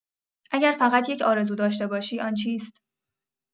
اگر فقط یک آرزو داشته باشی آن چیست؟